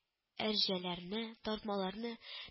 Әрҗәләрне, тартмаларны